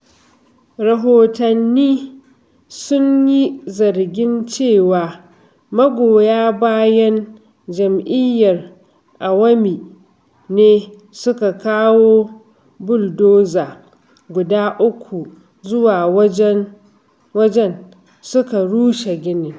Rahotanni sun yi zargin cewa magoya bayan Jam'iyyar Awami (AL) ne suka kawo buldoza guda uku zuwa wajen suka rushe ginin.